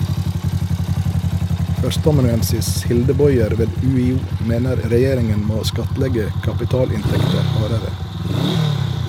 Førsteamanuensis Hilde Bojer ved UiO mener regjeringen må skattlegge kapitalinntekter hardere.